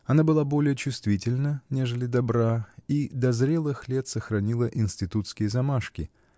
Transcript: Она была более чувствительна, нежели добра, и до зрелых лет сохранила институтские замашки